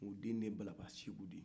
o den de ye balaba siku ye